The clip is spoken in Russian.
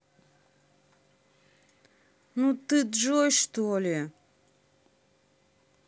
ну ты джой что ли